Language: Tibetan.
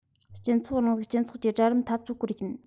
སྤྱི ཚོགས རིང ལུགས སྤྱི ཚོགས ཀྱི གྲལ རིམ འཐབ རྩོད སྐོར ཡིན